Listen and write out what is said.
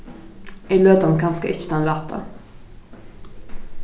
er løtan kanska ikki tann rætta